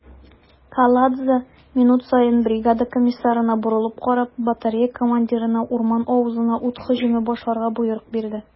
Каладзе, минут саен бригада комиссарына борылып карап, батарея командирына урман авызына ут һөҗүме башларга боерык бирде.